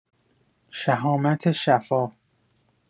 شهامت شفا